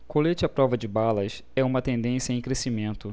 colete à prova de balas é uma tendência em crescimento